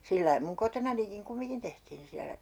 sillä lailla minun kotonanikin kumminkin tehtiin siellä